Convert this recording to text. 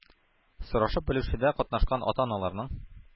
Сорашып-белешүдә катнашкан ата-аналарның